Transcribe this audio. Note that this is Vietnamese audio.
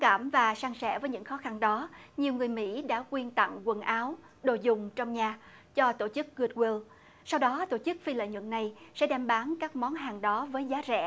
cảm và san sẻ với những khó khăn đó nhiều người mỹ đã quyên tặng quần áo đồ dùng trong nhà cho tổ chức gút guây sau đó tổ chức phi lợi nhuận này sẽ đem bán các món hàng đó với giá rẻ